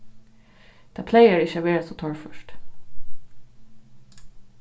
tað plagar ikki at vera so torført